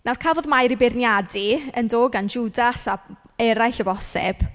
Nawr cafodd Mair ei beirniadu yn do, gan Jwdas a eraill o bosib.